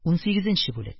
Унсигезенче бүлек